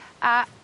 A